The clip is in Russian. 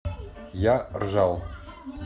я ржал